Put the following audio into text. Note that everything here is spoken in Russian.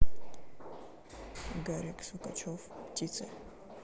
гарик сукачев птицы